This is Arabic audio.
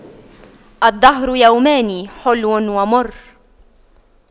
الدهر يومان حلو ومر